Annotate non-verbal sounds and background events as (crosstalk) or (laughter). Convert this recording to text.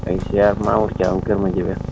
maa ngi ziar Mamour Thiam Kër Madiabel (noise)